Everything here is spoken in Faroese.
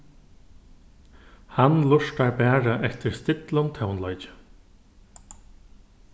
hann lurtar bara eftir stillum tónleiki